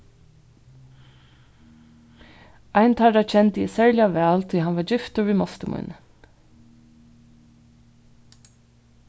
ein teirra kendi eg serliga væl tí hann var giftur við mostur míni